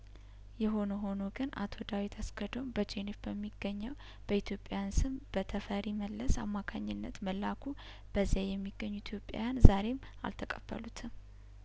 የሆነ ሆኖ ግን አቶ ዳዊት አስገዶም በጄኔቭ በሚገኘው በኢትዮጵያን ስም በተፈሪ መለስ አማካኝነት መላኩ በዚያ የሚገኙ ኢትዮጵያን ዛሬም አልተቀበሉትም